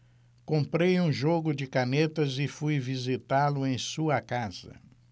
comprei um jogo de canetas e fui visitá-lo em sua casa